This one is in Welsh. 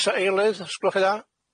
Os a eilydd sgwlwch chi'n dda?